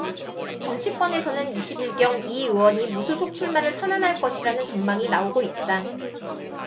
정치권에서는 이십 일 경 이 의원이 무소속 출마를 선언할 것이라는 전망이 나오고 있다